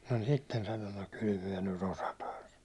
no sitten sanoi no kyllä me nyt osataan sanoa